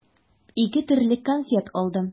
Ике төрле конфет алдым.